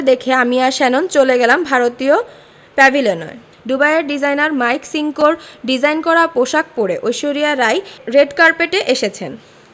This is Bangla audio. রেখে আমি আর শ্যানন চলে গেলাম ভারতীয় প্যাভিলিয়নে দুবাইয়ের ডিজাইনার মাইক সিঙ্কোর ডিজাইন করা পোশাক করে ঐশ্বরিয়া রাই রেড কার্পেটে এসেছেন